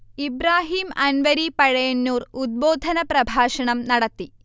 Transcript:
ഇബ്രാഹിം അൻവരി പഴയന്നൂർ ഉദ്ബോധന പ്രഭാഷണം നടത്തി